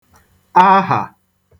ahà